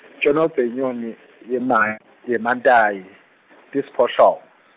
Tjonodze yinyoni ye Mai-, ye Mantayi Tisiphohlongo.